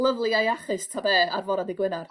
lyfli a iachus ta be' ar fora dy' Gwenar.